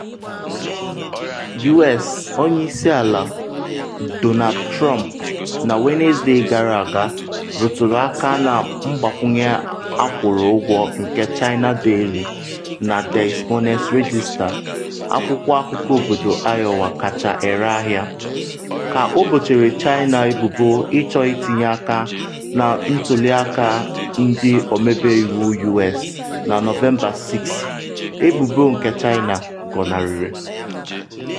U.S. Onye Isi Ala Donald Trump na Wenesde gara aga rụtụrụ aka na mgbakwunye akwụrụ ụgwọ nke China Daily na Des Moines Register - akwụkwọ akụkọ obodo Iowa kacha ere ahịa - ka o bochara China ebubo ịchọ itinye aka na ntuli aka ndị ọmebe iwu U.S na Nọvemba 6, ebubo nke China gọnarịrị.